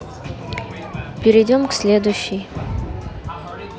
перейдем к следующий